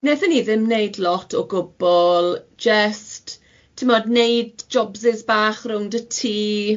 naethon ni ddim neud lot o gwbwl, jest timod neud jobsys bach rownd y tŷ,